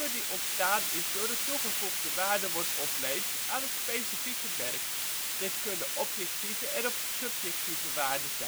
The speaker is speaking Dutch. die ontstaan is door dat toegevoegde waarde wordt ontleend aan het specifieke merk, dit kunnen objectieven en/of subjectieve waarden